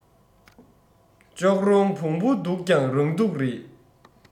ལྕོག རོང བོང བུ སྡུག ཀྱང རང སྡུག རེད